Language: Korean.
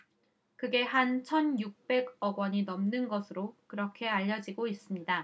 그게 한 천 육백 억 원이 넘는 것으로 그렇게 알려지고 있습니다